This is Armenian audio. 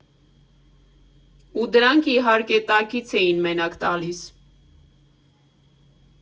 Ու դրանք, իհարկե, տակից էին մենակ տալիս։